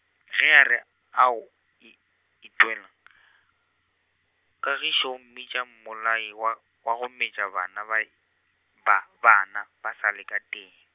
ge a re ao i- itwela , Kagišo o mmitša mmolai wa, wa go metša bana ba i-, ba bana, ba sa le ka teng.